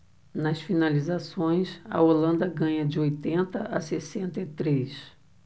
nas finalizações a holanda ganha de oitenta a sessenta e três